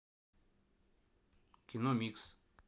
кино микс